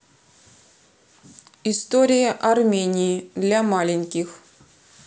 история армении для маленьких